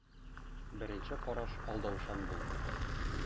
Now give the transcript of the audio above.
Беренче караш алдаучан була.